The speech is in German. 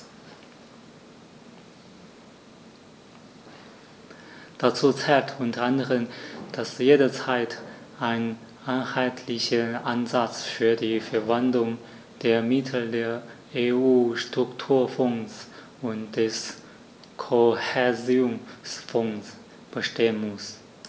Dazu zählt u. a., dass jederzeit ein einheitlicher Ansatz für die Verwendung der Mittel der EU-Strukturfonds und des Kohäsionsfonds bestehen muss.